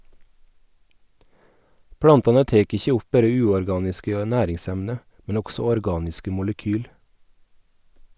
Plantane tek ikkje opp berre uorganiske næringsemne, men også organiske molekyl.